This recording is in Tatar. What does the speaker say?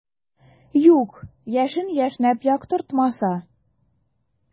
Юк, яшен яшьнәп яктыртмаса.